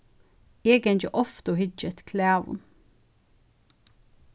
eg gangi ofta og hyggi eftir klæðum